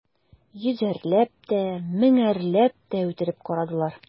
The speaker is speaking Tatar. Йөзәрләп тә, меңәрләп тә үтереп карадылар.